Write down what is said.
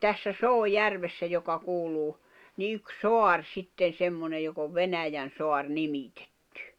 tässä Soojärvessä joka kuuluu niin yksi saari sitten semmoinen joka on Venäjänsaari nimitetty